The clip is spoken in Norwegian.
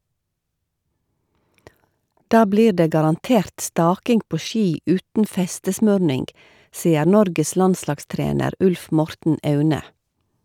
Da blir det garantert staking på ski uten festesmurning, sier Norges landslagstrener Ulf Morten Aune.